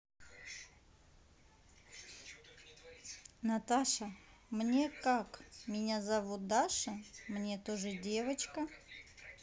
наташа мне как меня зовут даша мне тоже девочка